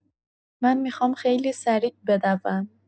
من می‌خوام خیلی سریع بدوم.